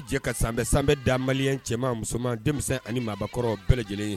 Jɛ ka sanbɛ sanbɛ da malien cɛman n'a musoman denmisɛn ani maabakɔrɔ bɛɛ lajɛlen